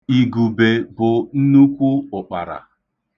Igube bụ nnukwu ụkpara.